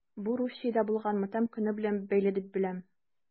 Бу Русиядә булган матәм көне белән бәйле дип беләм...